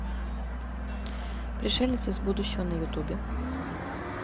пришелец из будущего на ютубе